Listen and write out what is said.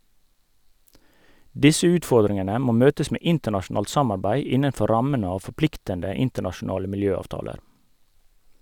Disse utfordringene må møtes med internasjonalt samarbeid innenfor rammen av forpliktende internasjonale miljøavtaler.